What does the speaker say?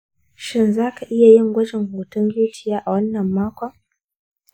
shin za ka iya yin gwajin hoton zuciya a wannan makon?